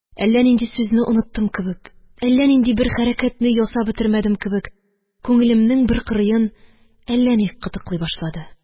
Әллә нинди сүзне оныттым кебек, әллә нинди бер хәрәкәтне ясап бетермәдем кебек, күңелемнең бер кырыен әллә ни кытыклый башлады.